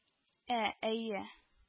- ә, әйе